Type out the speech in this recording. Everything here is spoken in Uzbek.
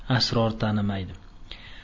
sror tanimaydi